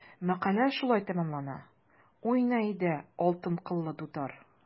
Мәкалә шулай тәмамлана: “Уйна, әйдә, алтын кыллы дутар!"